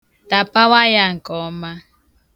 Tapawa ya nke ọma.